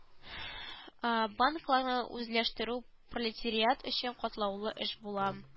Банкларны үзләштерү пролетериат өчен катлаулы эш була